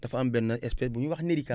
dafa am benn espèce bu ñuy wax nerica